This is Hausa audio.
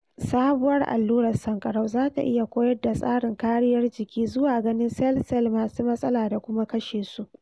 Sabuwar allurar sankara za ta iya koyar da tsarin kariyar jiki zuwa ‘ganin’ sel-sel masu matsala da kuma kashe su